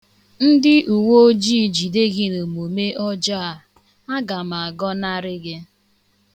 Ndị uweojii jide gị n'omume ọjọọ a, aga m agọnarị gị.